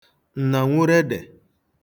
ǹnànwụrụedè